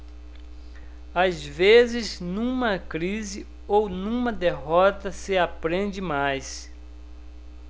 às vezes numa crise ou numa derrota se aprende mais